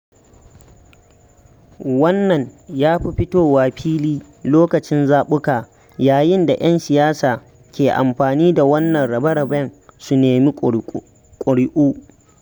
Wannan yafi fitowa fili lokacin zaɓuka yayin da 'yan siyasa ke amfani da wannan rabe-raben su nemi ƙuri'u.